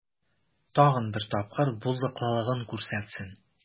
Тагын бер тапкыр булдыклылыгын күрсәтсен.